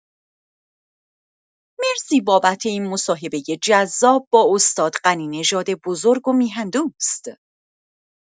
مرسی بابت این مصاحبۀ جذاب با استاد غنی‌نژاد بزرگ و میهن‌دوست